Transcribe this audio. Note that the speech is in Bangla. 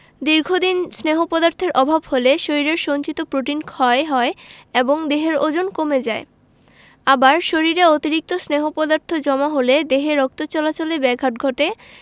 দীর্ঘদিন স্নেহ পদার্থের অভাব হলে শরীরের সঞ্চিত প্রোটিন ক্ষয় হয় এবং দেহের ওজন কমে যায় আবার শরীরে অতিরিক্ত স্নেহ পদার্থ জমা হলে দেহে রক্ত চলাচলে ব্যাঘাত ঘটে